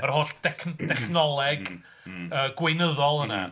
Mae'r holl dec- dechnoleg gweinyddol yna.